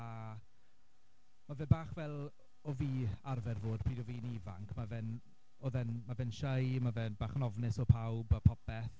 A ma' fe bach fel o' fi arfer fod pryd o' fi'n ifanc, ma' fe'n... oedd e'n... ma' fe'n shy mae fe'n bach yn ofnus o pawb a popeth.